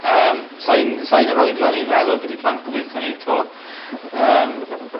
Yym sai'n sai'n yr oedran i feddwl byti plant gobeithio 'ny 'to. Yym.